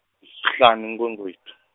sihlanu Inkwekhweti.